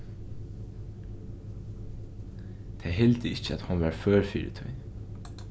tey hildu ikki at hon var før fyri tí